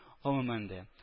Гомумән дә